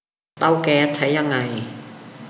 เตาแก๊สใช้ยังไง